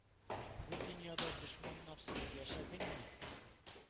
Бу дөньяда дошманнарсыз яшәдеңме?